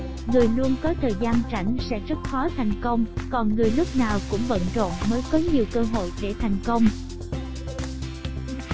người luôn có thời gian rảnh sẽ rất khó thành công còn người lúc nào cũng bận rộn mới có nhiều cơ hội để thành công